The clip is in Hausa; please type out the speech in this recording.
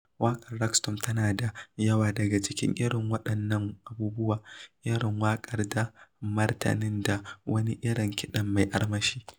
Waƙar "Rag Storm" tana da da yawa daga cikin irin waɗannan abubuwan - irin waƙar da martanin, da wani irin kiɗan mai armashi.